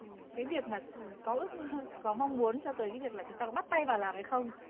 ừm cái việc mà ừm có ước mơ có mong muốn cho tới kí việc là chúng ta có bắt tay vào làm hay không